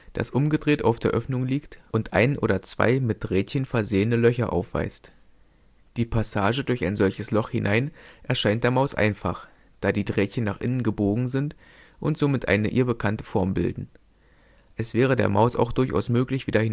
das umgedreht auf der Öffnung liegt und ein oder zwei mit Drähtchen versehene Löcher aufweist. Die Passage durch solch ein Loch hinein erscheint der Maus einfach, da die Drähtchen nach innen gebogen sind und somit eine ihr bekannte Form bilden. Es wäre der Maus auch durchaus möglich, wieder